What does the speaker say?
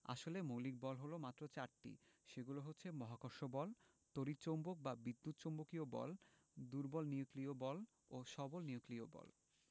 আসলে মৌলিক বল মাত্র চারটি সেগুলো হচ্ছে মহাকর্ষ বল তড়িৎ চৌম্বক বা বিদ্যুৎ চৌম্বকীয় বল দুর্বল নিউক্লিয় বল ও সবল নিউক্লিয় বল